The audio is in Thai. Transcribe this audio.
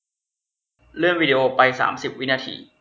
เลื่อนวีดีโอไปสามสิบวินาที